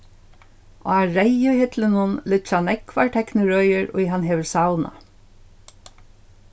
á reyðu hillunum liggja nógvar teknirøðir ið hann hevur savnað